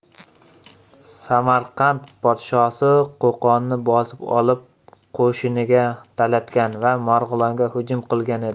samarqand podshosi qo'qonni bosib olib qo'shiniga talatgan va marg'ilonga hujum qilgan edi